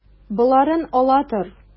Боларын ала тор.